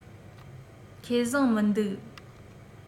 ཁེ བཟང མི འདུག